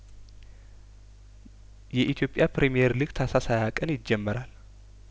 የኢትዮጵያ ፕሪሚየር ሊግ ታህሳስ ሀያቀን ይጀ መራል